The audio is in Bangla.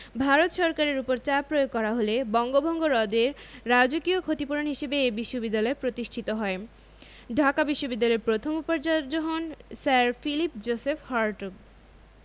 ভারত সরকারের ওপর চাপ প্রয়োগ করা হলে বঙ্গভঙ্গ রদের রাজকীয় ক্ষতিপূরণ হিসেবে এ বিশ্ববিদ্যালয় প্রতিষ্ঠিত হয় ঢাকা বিশ্ববিদ্যালয়ের প্রথম উপাচার্য হন স্যার ফিলিপ জোসেফ হার্টগ